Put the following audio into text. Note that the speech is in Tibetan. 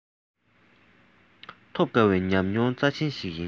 ཐོབ དཀའ བའི ཉམས མྱོང རྩ ཆེན ཞིག ཡིན